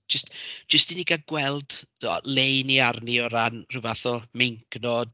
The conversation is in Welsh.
Jyst jyst i ni gael gweld tibod le i ni arni o ran ryw fath o meincnod.